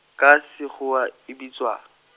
ka sekgoa, e bitswang ?